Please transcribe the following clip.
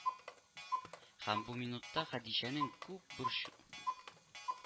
Һәм бу минутта хәдичәнең күп борчу